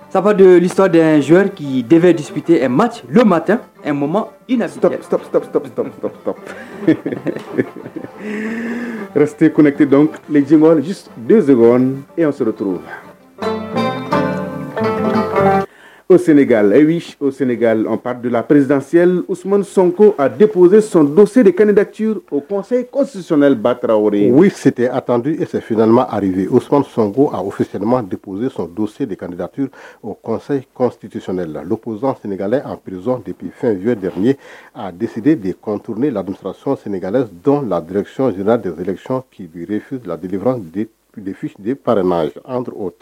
Saba sadzorikiptesi retese sɔrɔ o senla sen preriz kopzse de kan dati osi basete a efidma alie osk sɔn ko osima depze sɔn donse de kandidda tuur o kɔsiti sonɛla pz senekala preriz deppi fɛn fiye a dese de deto lac sene ladirece dɛsɛserec ppirie la dera de pprer